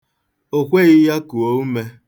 O kweghị ya kuo ume.